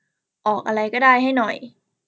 ออกอะไรก็ได้ให้หน่อย